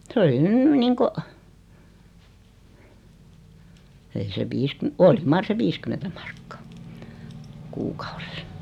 se oli nyt niin kuin ei se - oli mar se viisikymmentä markkaa kuukaudessa